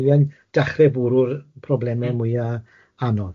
...ni yn dechre bwrw'r probleme mwya anodd.